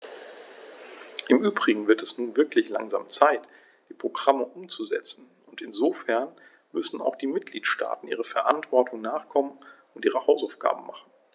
Im übrigen wird es nun wirklich langsam Zeit, die Programme umzusetzen, und insofern müssen auch die Mitgliedstaaten ihrer Verantwortung nachkommen und ihre Hausaufgaben machen.